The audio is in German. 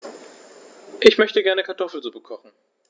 Ich möchte gerne Kartoffelsuppe kochen.